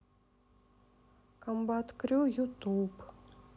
комбат крю ютуб